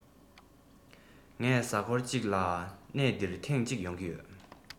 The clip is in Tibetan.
ངས གཟའ མཁོར ཅིག ལ གནས འདིར ཐེང ཅིག ཡོང གི ཡོད